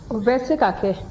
o bɛ se ka kɛ